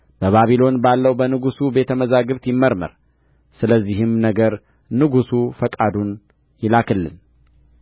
በባቢሎን ባለው በንጉሡ ቤተ መዛግብት ይመርመር ስለዚህም ነገር ንጉሡ ፈቃዱን ይላክልን